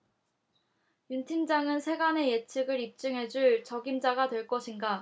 윤 팀장은 세간의 예측을 입증해 줄 적임자가 될 것인가